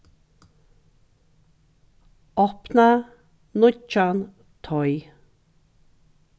opna nýggjan teig